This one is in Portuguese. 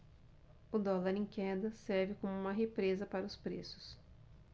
o dólar em queda serve como uma represa para os preços